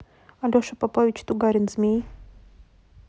алеша попович тугарин змей